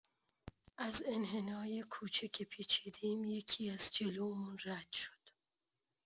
از انحنای کوچه که پیچیدیم یکی‌از جلومون رد شد.